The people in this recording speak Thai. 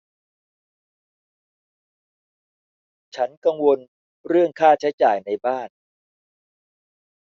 ฉันกังวลเรื่องค่าใช้จ่ายในบ้าน